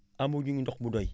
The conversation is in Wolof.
amaguñu ndox bu doy